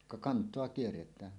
ka kantoa kierretään